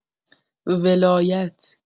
ولایت